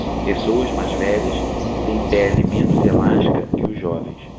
pessoas mais velhas têm pele menos elástica que os jovens